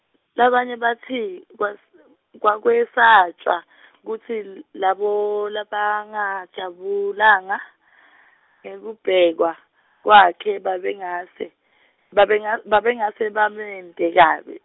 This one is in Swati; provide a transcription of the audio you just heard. labanye batsi, kwas- , kwakwesatjwa , kutsi l-, labo labangajabulanga , ngekubekwa, kwakhe, babengase, babenga- babengase bamente kabi.